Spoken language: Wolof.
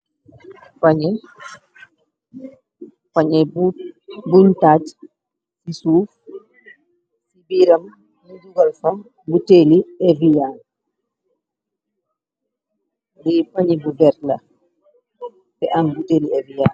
Pañye pan̈ye bün taaj si suuf si biram nyu def fa botali eveyan li pañye bu bes la bo am botali eveyan.